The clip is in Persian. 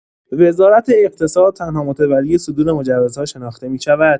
وزارت اقتصاد تنها متولی صدور مجوزها شناخته می‌شود.